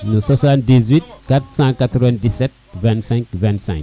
no 784972525